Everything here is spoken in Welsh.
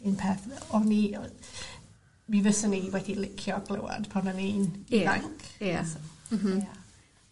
un peth o'n yy mi fyswn i wedi licio clywad pan o'n i'n ifanc. Ia ia. M-hm. Ia.